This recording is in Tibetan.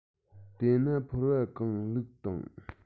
དེ ན ཕོར བ གང བླུགས དང